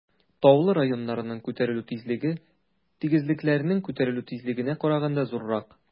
Таулы районнарның күтәрелү тизлеге тигезлекләрнең күтәрелү тизлегенә караганда зуррак.